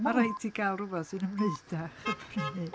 Ma' raid i ti gael rywbeth sy'n ymwneud â Chymru neu...